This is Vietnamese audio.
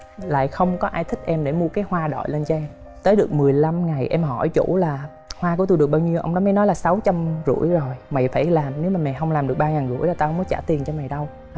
lại không có ai thích em để mua cái hoa đội lên trên tới được mười lăm ngày em hỏi chủ là hoa của tui được bao nhiêu ông mới nói là sáu trăm rưỡi rồi mày phải làm nếu mà mày hông làm được ba ngàn nữa là tao hỏng có trả tiền cho mày đâu